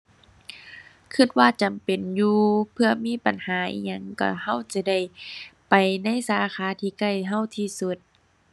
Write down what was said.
คิดว่าจำเป็นอยู่ เผื่อมีปัญหาอิหยังคิดคิดจะได้ไปในสาขาที่ใกล้คิดที่สุด